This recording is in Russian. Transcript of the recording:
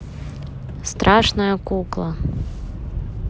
страшная кукла